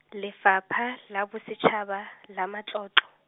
Lefapha la Bosetšhaba, la Matlotlo.